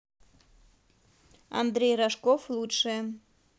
андрей рожков лучшее